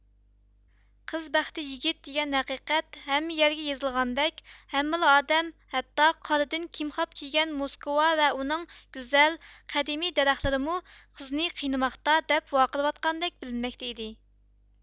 قىز بەختى يىگىت دېگەن ھەقىقەت ھەممە يەرگە يېزىلغاندەك ھەممىلا ئادەم ھەتتا قاردىن كىمخاب كىيگەن موسكۋا ۋە ئۇنىڭ گۈزەل قەدىمىي دەرەخلىرىمۇ قىزنى قىينىماقتا دەپ ۋارقىراۋاتقاندەك بىلىنمەكتە ئىدى